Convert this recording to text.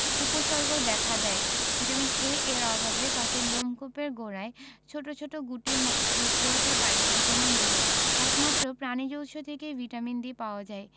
উপসর্গও দেখা দেয় ভিটামিন A এর অভাবে ত্বকের লোমকূপের গোড়ায় ছোট ছোট গুটির সৃষ্টি হতে পারে ভিটামিন D একমাত্র প্রাণিজ উৎস থেকেই ভিটামিন D পাওয়া যায়